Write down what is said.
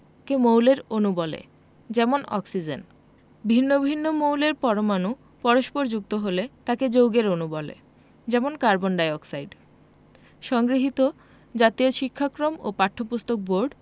মৌলের অণু বলে যেমন অক্সিজেন ভিন্ন ভিন্ন মৌলের পরমাণু পরস্পর যুক্ত হলে তাকে যৌগের অণু বলে যেমন কার্বন ডাই অক্সাইড সংগৃহীত জাতীয় শিক্ষাক্রম ওপাঠ্যপুস্তক বোর্ড